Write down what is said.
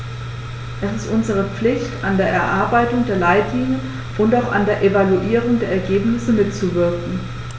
Es ist unsere Pflicht, an der Erarbeitung der Leitlinien und auch an der Evaluierung der Ergebnisse mitzuwirken.